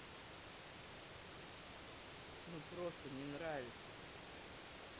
ну просто не нравится